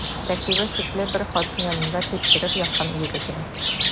Тәртибе шикле бер хатын янында типтереп яткан егетең.